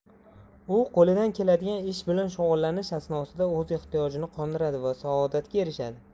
u qo'lidan keladigan ish bilan shug'ullanish asnosida o'z ehtiyojini qondiradi va saodatga erishadi